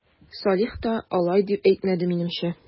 Салих та алай дип әйтмәде, минемчә...